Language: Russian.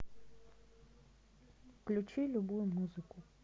включи любую музыку